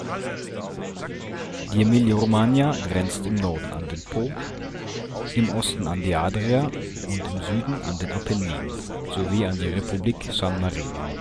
Die Emilia-Romagna grenzt im Norden an den Po, im Osten an die Adria und im Süden an den Apennin sowie an die Republik San Marino